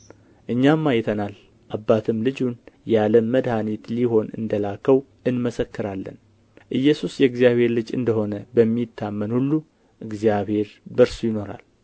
እኛም አይተናል አባትም ልጁን የዓለም መድኃኒት ሊሆን እንደ ላከው እንመሰክራለን ኢየሱስ የእግዚአብሔር ልጅ እንደ ሆነ በሚታመን ሁሉ እግዚአብሔር በእርሱ ይኖራል